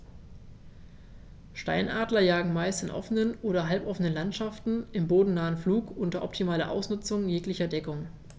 Steinadler jagen meist in offenen oder halboffenen Landschaften im bodennahen Flug unter optimaler Ausnutzung jeglicher Deckung.